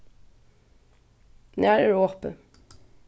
nær er opið